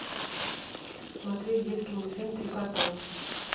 смотреть детский мультфильм три кота